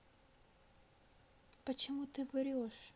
почему ты врешь